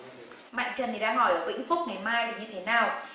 mạnh trần thì đang hỏi ở vĩnh phúc ngày mai thì như thế nào